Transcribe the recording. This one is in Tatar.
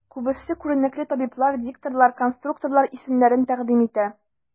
Күбесе күренекле табиблар, дикторлар, конструкторлар исемнәрен тәкъдим итә.